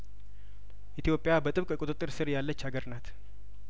ኢትዮጵያበጥብቅ ቁጥጥር ስር ያለች ሀገርናት